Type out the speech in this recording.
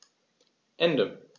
Ende.